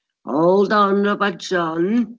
Hold on, Robert John.